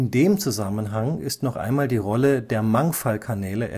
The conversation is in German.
dem Zusammenhang ist noch einmal die Rolle der Mangfallkanäle